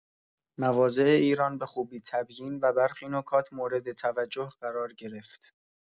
مواضع ایران به خوبی تبیین و برخی نکات مورد توجه قرار گرفت.